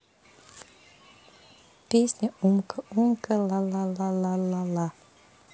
песня умка умка лалалалала